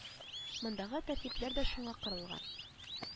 Мондагы тәртипләр дә шуңа корылган